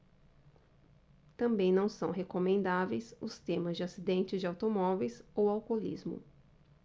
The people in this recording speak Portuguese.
também não são recomendáveis os temas de acidentes de automóveis ou alcoolismo